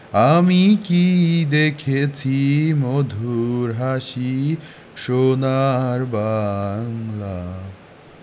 আমি কী দেখেছি মধুর হাসি সোনার বাংলা